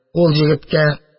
Ул егеткә